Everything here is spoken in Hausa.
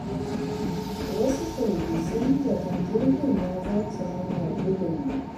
Wasu shaidu sun yi zaton jirgin ya zarce hanyar gudun ne.